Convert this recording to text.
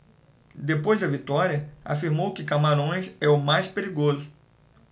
depois da vitória afirmou que camarões é o mais perigoso